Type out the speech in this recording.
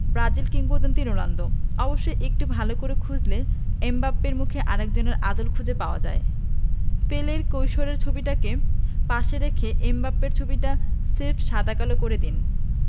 Brazil কিংবদন্তি Ronaldo অবশ্য একটু ভালো করে খুঁজলে এমবাপ্পের মুখে আরেকজনের আদল খুঁজে পাওয়া যায় পেলের কৈশোরের ছবিটাকে পাশে রেখে এমবাপ্পের ছবিটা স্রেফ সাদা কালো করে দিন